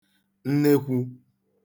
nnekwū